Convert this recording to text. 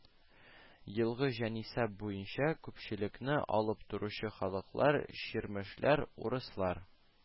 Елгы җанисәп буенча күпчелекне алып торучы халыклар: чирмешләр , урыслар